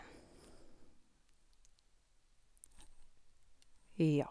Ja.